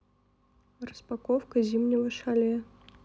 распаковка зимнего шале